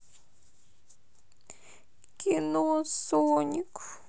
кино соник